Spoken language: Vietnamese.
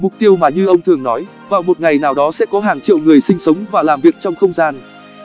mục tiêu mà như ông thường nói vào một ngày nào đó sẽ có hàng triệu người sinh sống và làm việc trong không gian